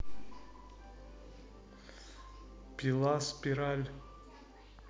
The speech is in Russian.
пила спираль